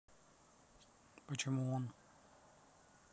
почему он